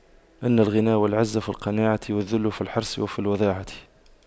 إن الغنى والعز في القناعة والذل في الحرص وفي الوضاعة